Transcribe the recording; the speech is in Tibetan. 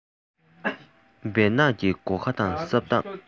སྦིར ནག གི གོང ཁ དང སྲབ གདང